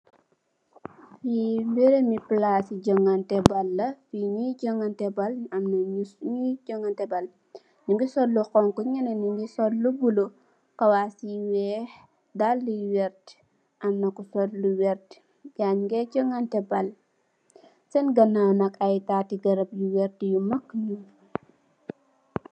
Fii barabu palaas si jongante bal la, fii nii jongante bal, am na nyi jongante bal, nyingi sol lu xonxu, nyennen nyingi sol lu bula, kawas yu weex, dalle yu werta, am na ku sol lu werta, gaay ay nge jongante bal, sen ganaaw nak ay taati garab yu werta yu magg.